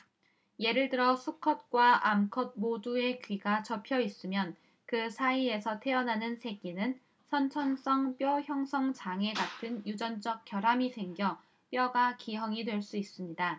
예를 들어 수컷과 암컷 모두의 귀가 접혀 있으면 그 사이에서 태어나는 새끼는 선천성 뼈 형성 장애 같은 유전적 결함이 생겨 뼈가 기형이 될 수 있습니다